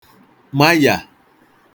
mayà